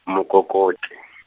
mokokoti.